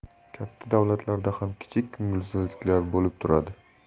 katta davlatlarda ham kichik ko'ngilsizliklar bo'lib turadi